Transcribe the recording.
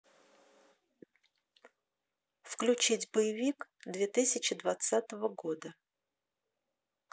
включить боевик две тысячи двадцатого года